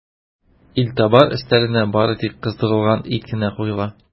Илтабар өстәленә бары тик кыздырылган ит кенә куела.